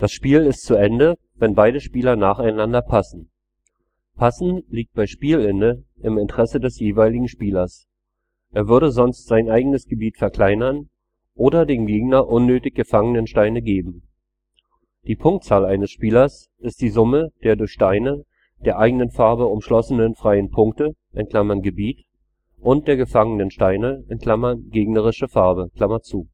Spiel ist zu Ende, wenn beide Spieler nacheinander passen. Passen liegt bei Spielende im Interesse des jeweiligen Spielers. Er würde sonst sein eigenes Gebiet verkleinern oder dem Gegner unnötig Gefangenensteine geben. Die Punktzahl eines Spielers ist die Summe der durch Steine der eigenen Farbe umschlossenen freien Punkte (Gebiet) und der gefangenen Steine (gegnerischer Farbe). Der